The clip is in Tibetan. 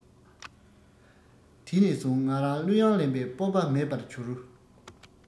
དེ ནས བཟུང ང རང གླུ དབྱངས ལེན པའི སྤོབས པ མེད པར གྱུར